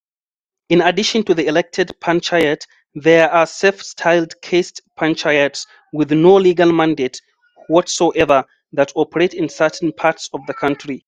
In addition to the elected panchayat, there are self-styled caste panchayats with no legal mandate whatsoever that operate in certain parts of the country.